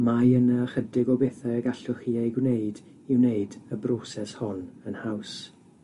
Mae yna ychydig o bethau y gallwch chi eu gwneud i wneud y broses hon yn haws